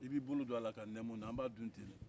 i b'i bolo don a la ka nɛmu an b'a dun ten de